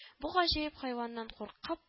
Бу гаҗәеп хайваннан куркып